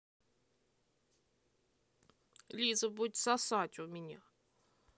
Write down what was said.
лиза будет сосать у меня